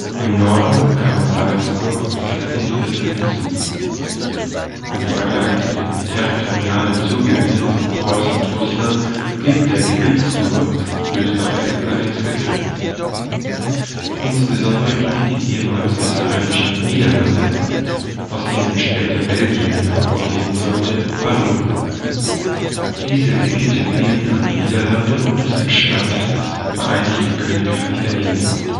Im Norden kamen Salzburg und das Innviertel hinzu. Im Vergleich zu den territorialen Zugewinnen von Preußen und Russland blieb der Gebietszuwachs Österreichs allerdings begrenzt. Insbesondere gingen die ehemals österreichischen Niederlande (aus denen später Belgien hervorgehen sollte) verloren. Diese Gebiete fielen an die Niederlande, und es entstand das Vereinigte Königreich der Niederlande